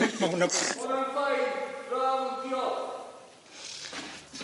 Ma' wnna... Ma' wnna'n ffein iawn diolch.